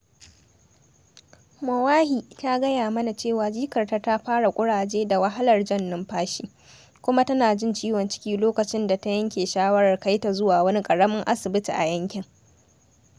Moahi ta gaya mana cewa jikarta ta fara ƙuraje da wahalar jan numfashi, kuma tana jin ciwon ciki lokacin da ta yanke shawarar kai ta zuwa wani ƙaramin asibiti a yankin.